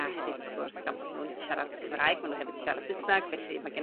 A hefyd wrth gwrs gan bod n'w'n siarad Cymraeg ma' n'w hefyd yn siarad Saesneg. Felly, mae genna i